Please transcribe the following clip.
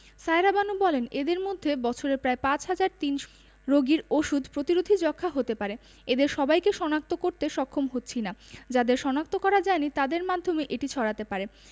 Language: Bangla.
সায়েরা বানু বলেন এদের মধ্যে বছরে প্রায় ৫ হাজার ৩০০ রোগীর ওষুধ প্রতিরোধী যক্ষ্মা হতে পারে এদের সবাইকে শনাক্ত করতে সক্ষম হচ্ছি না যাদের শনাক্ত করা যায়নি তাদের মাধ্যমেই এটি ছড়াতে পারে